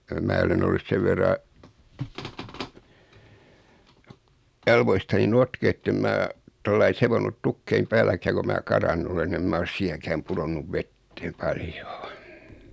minä olen ollut sen verran jaloistani notkea että en minä tuolla lailla seonnut tukkien päälläkään kun minä karannut olen niin en minä ole siinäkään pudonnut veteen paljoa